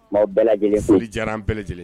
N b'aw bɛɛ lajɛlen fo; Foli diyara an bɛɛ lajɛlen ye.